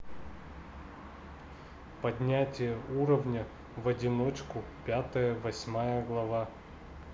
поднятие уровня в одиночку пятая восьмая глава